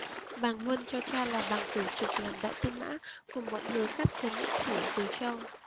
bàng huân cho cha là bàng cử trực làm đại tư mã cùng bọn hứa cát trấn thủ từ châu